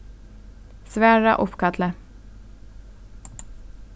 svara uppkalli